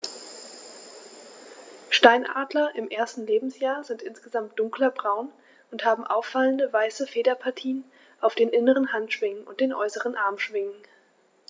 Steinadler im ersten Lebensjahr sind insgesamt dunkler braun und haben auffallende, weiße Federpartien auf den inneren Handschwingen und den äußeren Armschwingen.